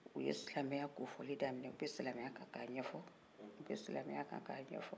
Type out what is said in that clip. u silamɛya ko fɔli daminɛ u bɛ silamɛya kan ka ɲɛfɔ u bɛ silamɛya kan ɲɛfɔ